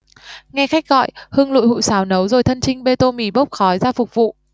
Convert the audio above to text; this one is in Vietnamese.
nghe khách gọi hưng lụi hụi xào nấu rồi thân chinh bê tô mì bốc khói ra phục vụ